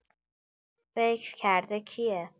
فکر کرده کیه؟